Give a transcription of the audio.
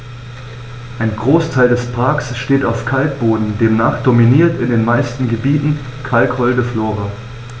Ein Großteil des Parks steht auf Kalkboden, demnach dominiert in den meisten Gebieten kalkholde Flora.